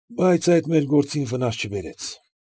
Բայց այդ մեր գործին վնաս չբերեց։